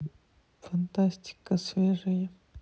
фантастика свежая